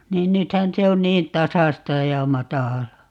niin nythän se on niin tasaista ja matalaa